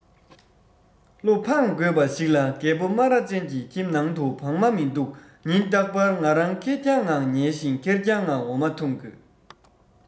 བློ ཕངས དགོས པ ཞིག ལ རྒད པོ སྨ ར ཅན གྱི ཁྱིམ ནང དུ བག མ མི འདུག ཉིན རྟག པར ང རང ཁེར རྐྱང ངང ཉལ ཞིང ཁེར རྐྱང ངང འོ མ འཐུང དགོས